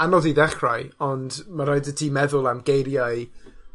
anodd i ddechrau, ond mae raid i ti meddwl am geiriau